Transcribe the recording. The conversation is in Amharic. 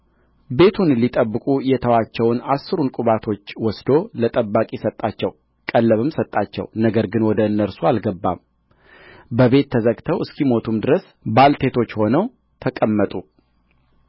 ቤቱን ሊጠብቁ የተዋቸውን አሥሩን ቁባቶች ወስዶ ለጠባቂ ሰጣቸው ቀለብም ሰጣቸው ነገር ግን ወደ እነርሱ አልገባም በቤት ተዘግተው እስኪሞቱም ድረስ ባልቴቶች ሆነው ተቀመጡ